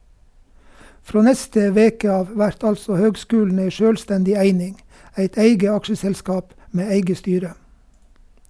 Frå neste veke av vert altså høgskulen ei sjølvstendig eining, eit eige aksjeselskap med eige styre.